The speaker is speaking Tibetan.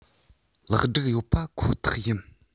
ལེགས སྒྲིག ཡོད པ ཁོ ཐག ཡིན